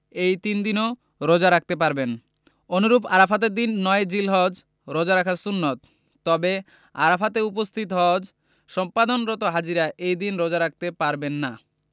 এই তিন দিনও রোজা রাখতে পারবেন অনুরূপ আরাফাতের দিন ৯ জিলহজ রোজা রাখা সুন্নাত তবে আরাফাতে উপস্থিত হজ সম্পাদনরত হাজিরা এই দিন রোজা রাখতে পারবেন না